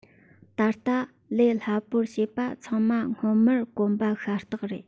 ད ལྟ ལས སླ པོར ཤེས པ ཚང མ སྔོན མར གོམས པ ཤ སྟག རེད